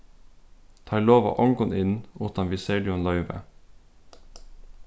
teir lova ongum inn uttan við serligum loyvi